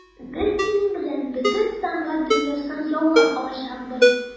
Без синең белән бөтен сәнгать дөньясын яулап алачакбыз.